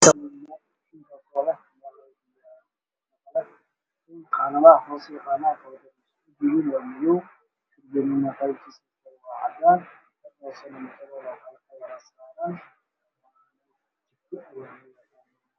Waa jiko waxay leedhay armaajo midabkeedu yahay madow caddaan